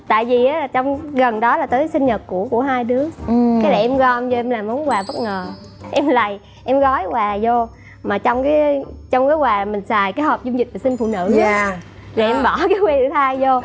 tại vì á trong gần đó là tới sinh nhật của của hai đứa cái là em gom vô em làm món quà bất ngờ em lầy em gói quà dô mà trong cái trong gói quà mình xài cái hộp dung dịch sinh phụ nữ rồi em bỏ cái que thử thai dô